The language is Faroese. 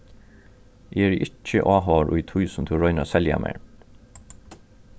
eg eri ikki áhugaður í tí sum tú roynir at selja mær